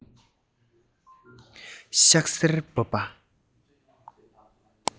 ཤག སེར བབས པ